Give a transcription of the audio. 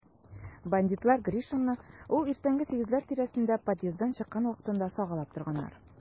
Бандитлар Гришинны ул иртәнге сигезләр тирәсендә подъезддан чыккан вакытында сагалап торганнар.